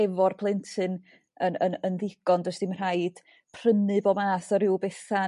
efo'r plentyn yn yn yn ddigon, does dim rhaid prynu bob math o ryw betha',